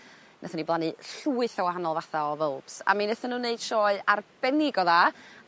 nathon ni blannu llwyth a wahanol fatha o fylbs a mi nethon n'w neud sioe arbennig o dda